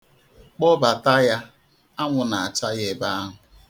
Kpọbata ya, anwụ na-acha ya ebe ahụ.